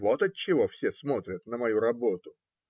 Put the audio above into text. Вот отчего все смотрят на мою работу.